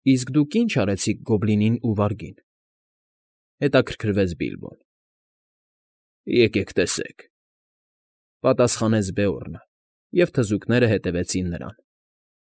Իսկ ի՞նչ արեցիք գոբլինին ու վարգին,֊ հետաքրքրվեց Բիլբոն։ ֊ Եկեք տեսեք,֊պատասխանեց Բեորնը, և թզուկները հետևեցին նրան։